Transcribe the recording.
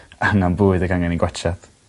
angan bwyd ag angen 'u gwatsiad.